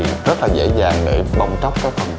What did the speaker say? rất là dễ dàng để bong tróc cái phần